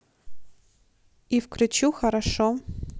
и включу хорошо